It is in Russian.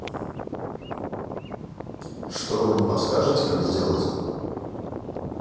что вы не подскажите как сделать